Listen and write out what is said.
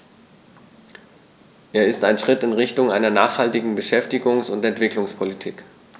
Er ist ein Schritt in Richtung einer nachhaltigen Beschäftigungs- und Entwicklungspolitik.